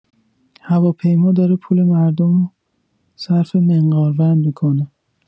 هواپیما داره پول مردم صرف منقاروند می‌کنه